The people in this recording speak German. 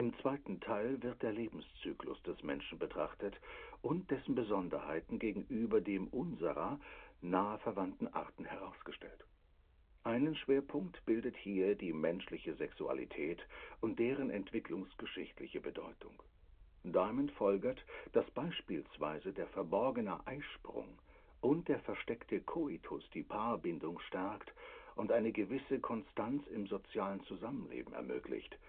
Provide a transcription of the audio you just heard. zweiten Teil wird der Lebenszyklus des Menschen betrachtet und dessen Besonderheiten gegenüber dem unserer nahe verwandten Arten herausgestellt. Einen Schwerpunkt bildet hier die menschliche Sexualität und deren entwicklungsgeschichtliche Bedeutung. Diamond folgert, dass beispielsweise der „ verborgene Eisprung “und der „ versteckte Koitus “die Paarbindung stärkt und eine gewisse Konstanz im sozialen Zusammenleben ermöglicht